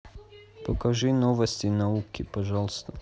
покажи новости науки пожалуйста